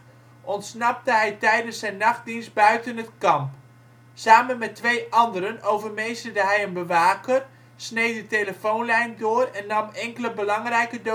ontsnapte hij tijdens zijn nachtdienst buiten het kamp. Samen met twee anderen overmeesterde hij een bewaker, sneed de telefoonlijn door en nam enkele belangrijke